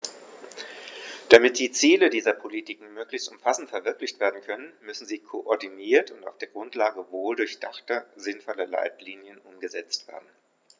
Damit die Ziele dieser Politiken möglichst umfassend verwirklicht werden können, müssen sie koordiniert und auf der Grundlage wohldurchdachter, sinnvoller Leitlinien umgesetzt werden.